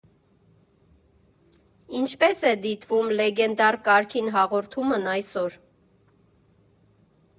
Ինչպե՞ս է դիտվում լեգենդար «Կարգին հաղորդումն» այսօր։